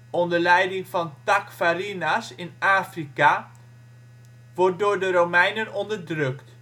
onder leiding van Tacfarinas in Africa, wordt door de Romeinen onderdrukt